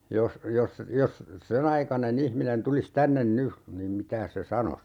jos jos jos sen aikainen ihminen tulisi tänne nyt niin mitäs se sanoisi